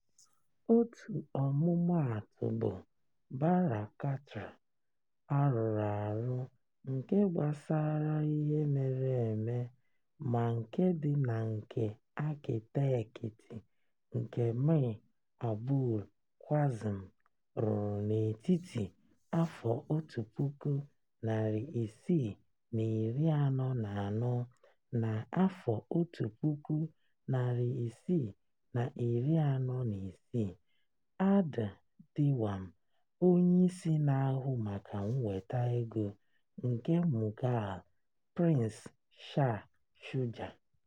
Otu ọmụmaatụ bụ Bara Katra, arụrụarụ nke gbasara ihe mere eme ma nke dị ka nke akịtekịtị nke Mir Abul Qasim rụrụ n'etiti 1644 na 1646 AD, Diwan (onye isi na-ahụ maka mweta ego) nke Mughal prince Shah Shuja.